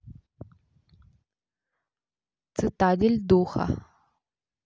цитадель духа